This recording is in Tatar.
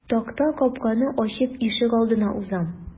Такта капканы ачып ишегалдына узам.